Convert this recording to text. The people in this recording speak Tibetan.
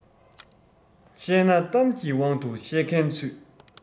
བཤད ན གཏམ གྱི དབང དུ བཤད མཁན ཚུད